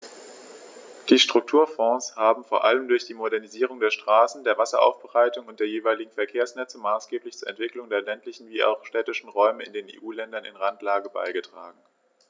Die Strukturfonds haben vor allem durch die Modernisierung der Straßen, der Wasseraufbereitung und der jeweiligen Verkehrsnetze maßgeblich zur Entwicklung der ländlichen wie auch städtischen Räume in den EU-Ländern in Randlage beigetragen.